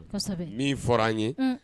Kosɛbɛ. Min fɔra an ye